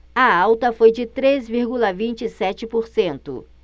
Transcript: a alta foi de três vírgula vinte e sete por cento